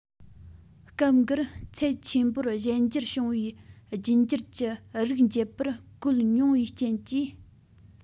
སྐབས འགར ཚད ཆེན པོར གཞན འགྱུར བྱུང བའི རྒྱུད འགྱུར གྱི རིགས འབྱེད པར བཀོལ མྱོང བའི རྐྱེན གྱིས